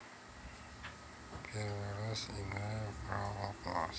первый раз играю в бравл класс